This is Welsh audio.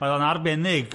Oedd o'n arbennig.